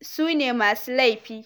su ne masu laifi.